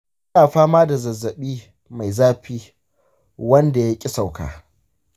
ina fama da zazzabi mai zafi wanda ya ƙi sauka.